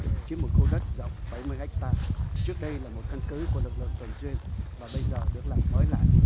chiếm một khu đất rộng bảy mươi héc ta trước đây là một căn cứ của lực lượng tuần duyên và bây giờ được làm mới lại